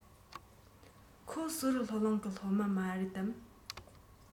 ཁོ གསོ རིག སློབ གླིང གི སློབ མ རེད དམ